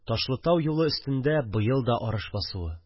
Ташлытау юлы өстендә быел да арыш басуы